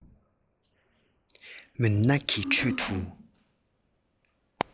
མུན ནག གྱི ཁྲོད དུ